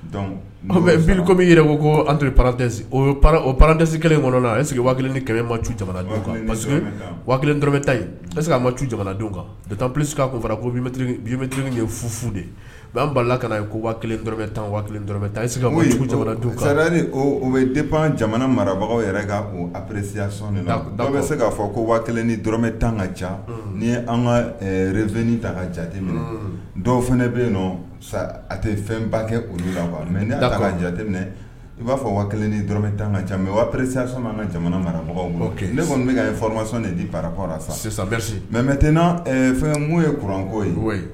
Fiko min yɛrɛ ko ko an tun pate o ptese kelen kɔnɔ la ɛ sigi wa kelen ni kɛmɛma tu jamana kan kelen tɔrɔmɛ ta yense' ma tu jamanaladenw kan psi' ko fara ko ye fufu de an bala la ka ye ko kelen tan kelen ta o bɛ de pan jamana marabagaw yɛrɛ kan ppresiya dɔw bɛ se ka'a fɔ ko waa kelen ni dɔrɔmɛ tan ka ca ni an ka 2 ta ka cadi ma dɔw fana bɛ yen a tɛ fɛn ba kɛ olu la wa mɛ ne da' ja i b'a fɔ waa kelen ni dɔrɔmɛ tan ka ca mɛ ppre ka jamana marabagaw ne kɔni bɛ ka fmasɔn de di para sisan sisan mɛ mɛten fɛn' ye kuranko ye ye